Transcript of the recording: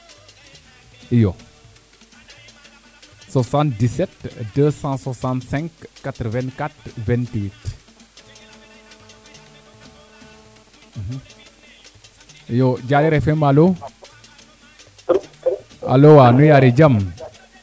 iyo 7725658428 iyo Diarekh Fm Alo alo wa nu yaare jam